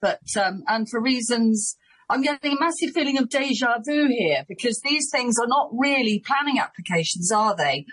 but um... And for reasons.... I'm getting a massive feeling of deja vu here because these things are not really planning applications are they?